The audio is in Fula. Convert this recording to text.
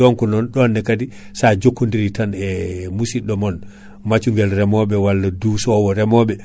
donc non ɗonne kaadi sa jokkodiri tan ee mussidɗo mon maccungal reemoɓe walla dusowo reemoɓe